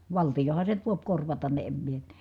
valtiohan se nyt voi korvata ne en minä -